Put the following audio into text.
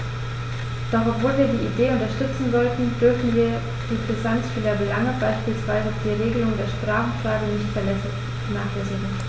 Doch obwohl wir die Idee unterstützen sollten, dürfen wir die Brisanz vieler Belange, beispielsweise die Regelung der Sprachenfrage, nicht vernachlässigen.